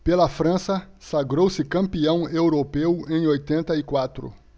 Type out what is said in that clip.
pela frança sagrou-se campeão europeu em oitenta e quatro